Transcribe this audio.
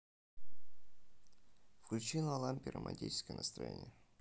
включи на лампе романтическое настроение